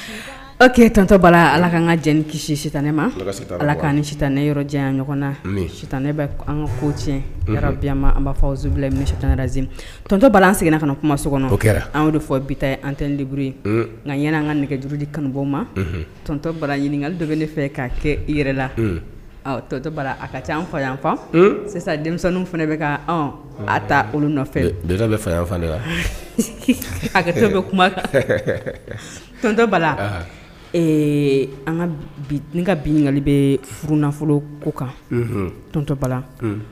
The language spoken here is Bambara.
Kɛtɔ bala ala ka kisi sitan ne ma ala ne jan ɲɔgɔn na ne an b'a fɔ tɔntɔ bala seginna kuma anw de fɔ bitɔn an tɛuru nka an ka nɛgɛjurudi kanubaw ma tɔntɔ bala ɲini dɔ bɛ ne fɛ ka kɛ yɛrɛ latɔ bala a ka an fa yanfa sisan denmisɛnnin fana bɛ ka a taa olu nɔfɛtɔ bala ka binli bɛ furu nafolo ko kantɔ bala